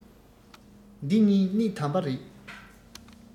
འདི གཉིས གནད དམ པ རེད